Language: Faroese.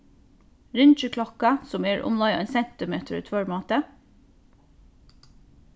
ringiklokka sum er umleið ein sentimetur í tvørmáti